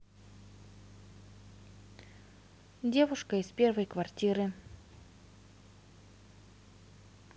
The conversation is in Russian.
девушка из первой квартиры